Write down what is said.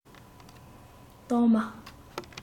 སྟག མ